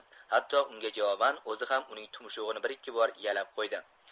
hatto unga javoban o'zi ham uning tumshug'ini bir ikki bor yalab qo'ydi